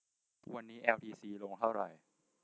วันนี้แอลทีซีลงเท่าไหร่